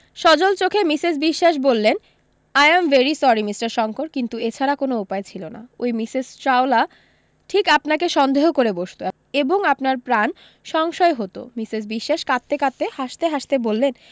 সজল চোখে মিসেস বিশ্বাস বললেন I am very sorry Mister Shankar কিন্তু এছাড়া কোন উপায় ছিল না ওই মিসেস চাওলা ঠিক আপনাকে সন্দেহ করে বসতো এবং আপনার প্রাণ সংশয় হতো মিসেস বিশ্বাস কাঁদতে কাঁদতে হাসতে হাসতে বললেন